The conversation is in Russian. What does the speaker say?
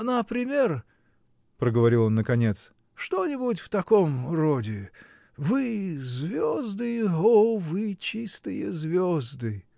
-- Например, -- проговорил он наконец, -- что-нибудь в таком роде: вы, звезды, о вы, чистые звезды!.